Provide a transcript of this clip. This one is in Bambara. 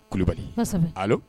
Kulubali kɔsɛbɛ alo?